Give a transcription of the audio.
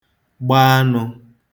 gba anụ̄